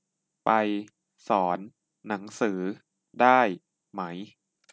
ไปสอนหนังสือได้ไหม